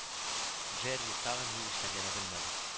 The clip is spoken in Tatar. Джерри тагын ни эшләргә дә белмәде